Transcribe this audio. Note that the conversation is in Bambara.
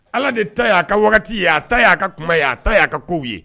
Allah de ta y'a ka wagati ye, a ta y'a ka kuma ye a ta y'a ka kow ye.